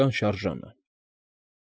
Կանշարժանան։